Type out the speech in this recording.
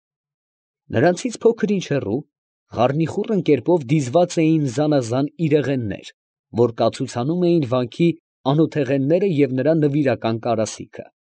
Նրանցից փոքր ինչ հեռու, խառնիխուռն կերպով, դիզված էին զանազան իրեղեններ, որ կացուցանում էին վանքի անոթեղենները և նրա նվիրական կարասիքը։